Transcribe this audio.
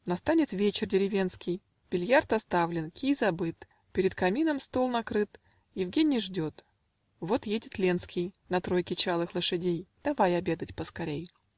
Настанет вечер деревенский: Бильярд оставлен, кий забыт, Перед камином стол накрыт, Евгений ждет: вот едет Ленский На тройке чалых лошадей Давай обедать поскорей!